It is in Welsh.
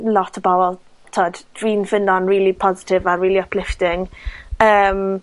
lot o bobol t'od, dwi'n ffindo'n rili positif a rili uplifting, yym